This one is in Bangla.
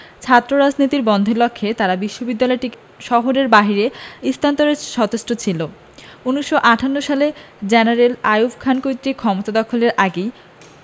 ছাত্ররাজনীতি বন্ধের লক্ষ্যে তারা বিশ্ববিদ্যালয়টিকে শহরের বাইরে স্থানান্তরে সচেষ্ট ছিল ১৯৫৮ সালে জেনারেল আইয়ুব খান কর্তৃক ক্ষমতা দখলের আগেই